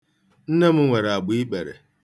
Nne m nwere agbaikpere.